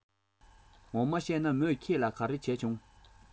ངོ མ གཤད ན མོས ཁྱེད ལ ག རེ བྱས བྱུང